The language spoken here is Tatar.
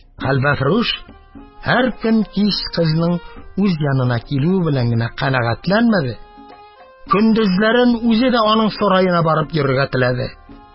Хәлвәфрүш һәр көн кич кызның үз янына килүе белән генә канәгатьләнмәде, көндезләрен үзе дә аның сараена барып йөрергә теләде.